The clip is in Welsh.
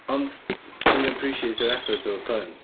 Ond dwi'n appreciate yr effort efo'r pun.